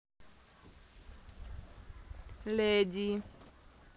lady